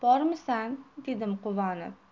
bormisan dedim quvonib